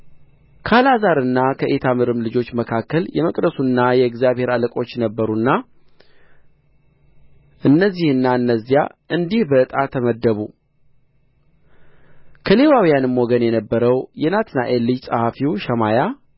ከአልዓዛርና ከኢታምርም ልጆች መካከል የመቅደሱና የእግዚአብሔር አለቆች ነበሩና እነዚህና እነዚያ እንዲህ በዕጣ ተመደቡ ከሌዋውያንም ወገን የነበረው የናትናኤል ልጅ ጸሐፊው ሸማያ